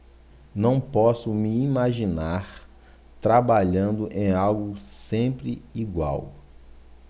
não posso me imaginar trabalhando em algo sempre igual